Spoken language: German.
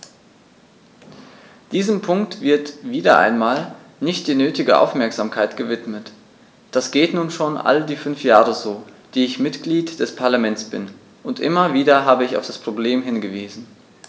Diesem Punkt wird - wieder einmal - nicht die nötige Aufmerksamkeit gewidmet: Das geht nun schon all die fünf Jahre so, die ich Mitglied des Parlaments bin, und immer wieder habe ich auf das Problem hingewiesen.